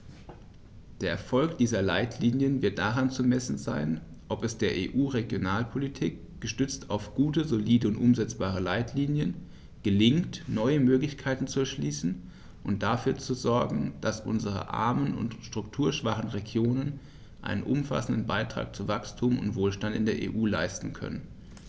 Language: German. Der Erfolg dieser Leitlinien wird daran zu messen sein, ob es der EU-Regionalpolitik, gestützt auf gute, solide und umsetzbare Leitlinien, gelingt, neue Möglichkeiten zu erschließen und dafür zu sogen, dass unsere armen und strukturschwachen Regionen einen umfassenden Beitrag zu Wachstum und Wohlstand in der EU leisten können.